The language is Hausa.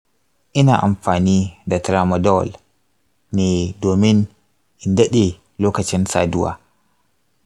ina amfani da tramadol ne domin in daɗe lokacin saduwa.